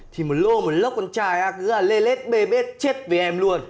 thì một lô một lốc con trai á cứ lê lết bê bết chết vì em luôn